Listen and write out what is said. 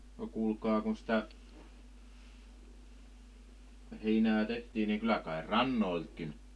no kuulkaa kun sitä heinää tehtiin niin kyllä kai rannoiltakin